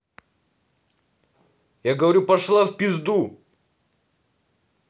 я говорю пошла в пизду